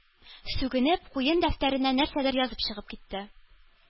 Сүгенеп, куен дәфтәренә нәрсәдер язып чыгып китте.